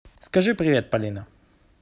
скажи привет полина